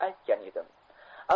aytgan edim